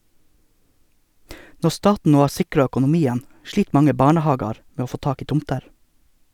Når staten nå har sikra økonomien, slit mange barnehagar med å få tak i tomter.